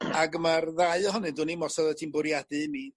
ag y ma'r ddau ohonyn dw'n 'im os oddet ti'n bwriadu i mi